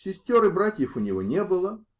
Сестер и братьев у него не было.